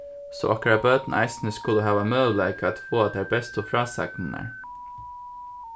so okkara børn eisini skulu hava møguleika at fáa tær bestu frásagnirnar